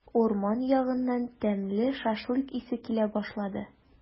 Урман ягыннан тәмле шашлык исе килә башлады.